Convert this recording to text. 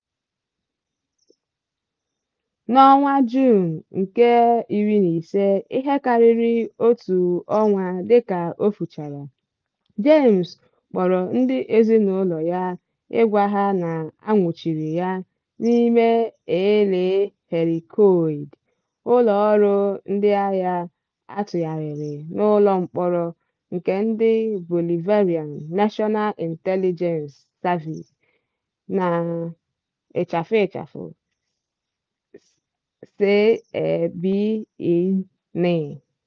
Na Juun 15, ihe karịrị otu ọnwa dịka o fuchara, Jaimes kpọrọ ndị ezinaụlọ ya ịgwa ha na a nwụchiri ya n'ime El Helicoide, ụlọọrụ ndịagha atụgharịrị n'ụlọmkpọrọ nke ndị Bolivarian National Intelligence Service (SEBIN).